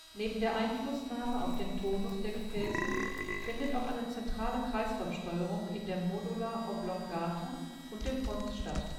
Neben der Einflussnahme auf den Tonus der Gefäße findet auch noch eine zentrale Kreislaufsteuerung in der Medulla oblongata und dem Pons statt